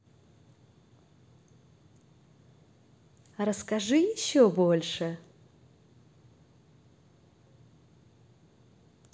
расскажи еще больше